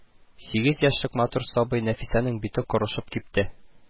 Сигез яшьлек матур сабый Нәфисәнең бите корышып кипте